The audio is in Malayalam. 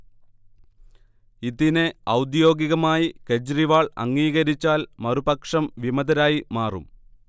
ഇതിനെ ഔദ്യോഗികമായി കെജ്രിവാൾ അംഗീകരിച്ചാൽ മറുപക്ഷം വിമതരായി മാറും